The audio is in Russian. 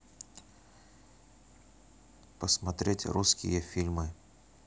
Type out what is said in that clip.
посмотреть русские фильмы